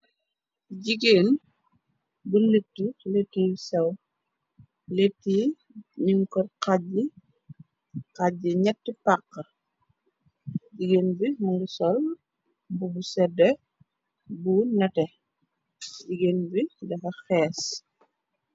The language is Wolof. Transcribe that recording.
Jigéen bu lettu lettu yu sew. Letu yi nung ko haji, haji ñetti paqar. Jigéen bi mëngi sol mbub seddeh bu nete. Jigéen bi dafa hees.